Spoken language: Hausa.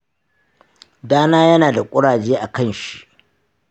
dana yana da kuraje a kanshi.